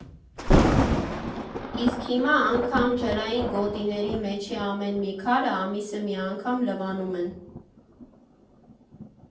Իսկ հիմա անգամ ջրային գոտիների մեջի ամեն մի քարը ամիսը մի անգամ լվանում են։